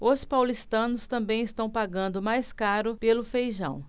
os paulistanos também estão pagando mais caro pelo feijão